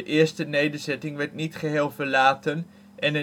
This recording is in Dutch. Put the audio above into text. eerste nederzetting werd niet geheel verlaten en